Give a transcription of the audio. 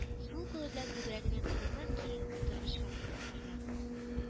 Сул кулы белән күкрәгенә тотынган көе, утыргычка килеп утырды